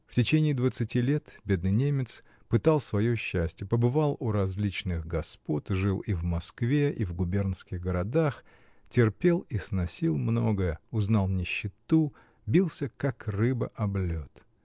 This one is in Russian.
В течение двадцати лет бедный немец пытал свое счастье: побывал у различных господ, жил и в Москве, и в губернских городах, терпел и сносил многое, узнал нищету, бился как рыба об лед